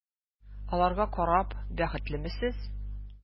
Аларга карап бәхетлеме сез?